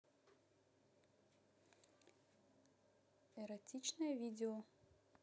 эротичное видео